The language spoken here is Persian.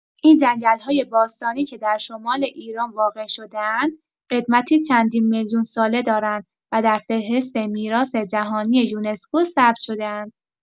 این جنگل‌های باستانی که در شمال ایران واقع شده‌اند، قدمتی چند میلیون ساله دارند و در فهرست میراث جهانی یونسکو ثبت شده‌اند.